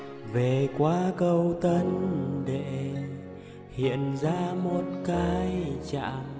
về qua cầu tân đệ hiện ra một cái trạm